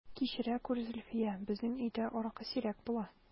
Кичерә күр, Зөлфия, безнең өйдә аракы сирәк була...